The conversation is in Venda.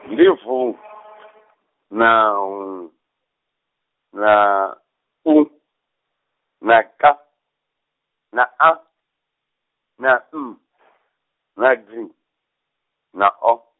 ndi V, na H, na U, na K, na A, na N , na D, na O.